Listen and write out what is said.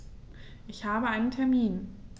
Ich habe einen Termin.